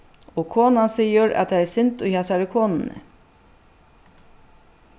og konan sigur at tað er synd í hasari konuni